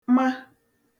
ma